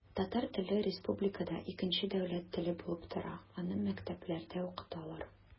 Татар теле республикада икенче дәүләт теле булып тора, аны мәктәпләрдә укыталар.